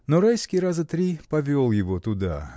Но Райский раза три повел его туда.